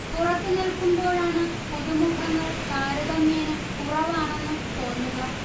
പുറത്തു നില്ക്കുമ്പോഴാണ് പുതുമുഖങ്ങൾ താരതമ്യേന കുറവാണെന്ന്തോന്നുക